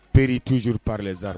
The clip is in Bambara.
Pereri tzurprilzari